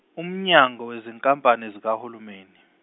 umnyango wezinkampani zikahulumeni.